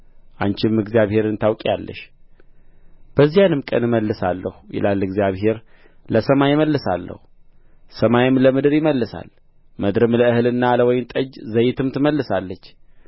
አንቺም እግዚአብሔርን ታውቂአለሽ በዚያንም ቀን እመልሳለሁ ይላል እግዚአብሔር ለሰማይ እመልሳለሁ ሰማይም ለምድር ይመልሳል ምድርም ለእህልና ለወይን ጠጅ ለዘይትም ትመልሳለች